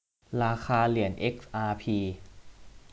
ราคาเหรียญเอ็กอาร์พี